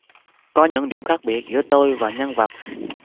có những điểm khác biệt giữa tôi và nhân vật